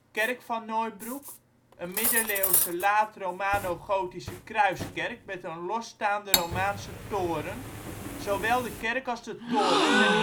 Kerk van Noordbroek, een middeleeuwse laat-romanogotische kruiskerk met een losstaande romaanse toren. Zowel de kerk als de toren zijn